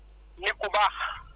nit ku baax